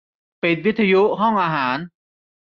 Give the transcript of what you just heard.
ปิดวิทยุห้องอาหาร